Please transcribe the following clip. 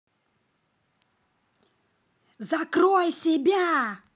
закрой себя